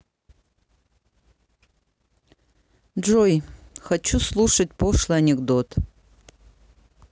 джой хочу слушать пошлый анекдот